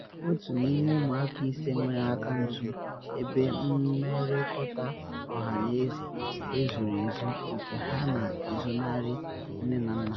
Otu n’ime ụmụaka ise nwere akaụntụ ebe mmerịkọta ọhaneze ezoro ezo nke ha na ezonarị nne na nna ha